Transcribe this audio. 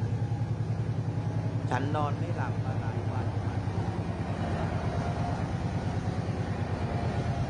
ฉันนอนไม่หลับมาหลายวันมันรู้สึกไม่สบายตัวเวลานอน